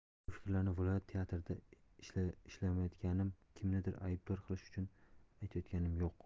bu fikrlarni viloyat teatrida ishlamayotganim kimnidir aybdor qilish uchun aytayotganim yo'q